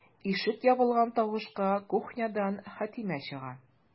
Ишек ябылган тавышка кухнядан Хәтимә чыга.